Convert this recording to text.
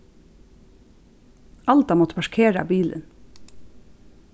alda mátti parkera bilin